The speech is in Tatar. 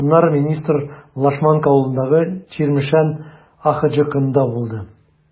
Аннары министр Лашманка авылындагы “Чирмешән” АХҖКында булды.